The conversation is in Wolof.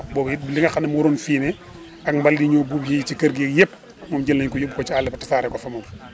waaw boobu it li nga xam ne moo doon fumier ak mbalit yi ñu buub yi ci kër geeg yëpp moom jël nañ ko yóbbu ko ca àll ba tasare ko fa moom